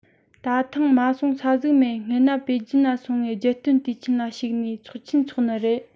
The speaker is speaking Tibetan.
ད ཐེངས མ སོང ས ཟིག མེད སྔན ན པེ ཅིན ན སོང ངས རྒྱལ སྟོན དུས ཆེན ན ཞུགས གས ཚོགས ཆེན འཚོགས ནི རེད